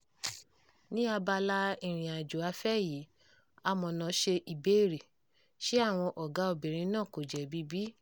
Ní abala ìrìnàjò afẹ́ yìí, amọ̀nà ṣe ìbéèrè: ṣé àwọn ọ̀gá obìnrin náà kò jẹ̀bi bí?